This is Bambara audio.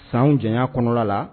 San jan kɔnɔna la